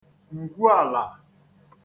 ngwuàlà